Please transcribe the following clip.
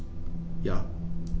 Ja.